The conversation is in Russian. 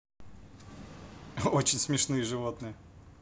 очень смешные животные